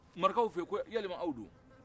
marakaw fɛ yen ko yalima aw dun